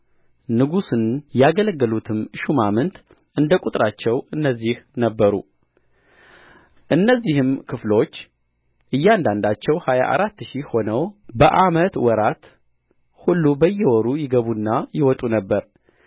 ንጉሡን ያገለገሉትም ሹማምት እንደ ቍጥራቸው እነዚህ ነበሩ እነዚህም ክፍሎች እያንዳንዳቸው ሀያ አራት ሺህ ሆነው በዓመት ወራት ሁሉ በየወሩ ይገቡና ይወጡ ነበር